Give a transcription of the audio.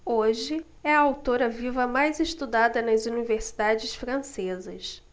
hoje é a autora viva mais estudada nas universidades francesas